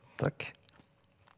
takk.